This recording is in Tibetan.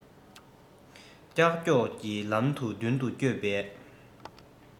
ཀྱག ཀྱོག གི ལམ དུ མདུན དུ བསྐྱོད པའི